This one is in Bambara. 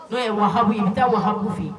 N'o ye Wahabu i bɛ taa Wahabu fɛ yen.